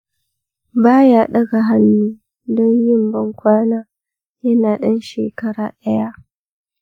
ba ya ɗaga hannu don yin ban kwana yana ɗan shekara ɗaya.